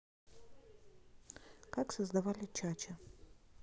как создавали ча ча